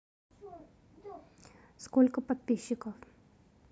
сколько подписчиков